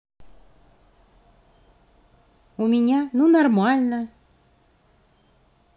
у меня ну нормально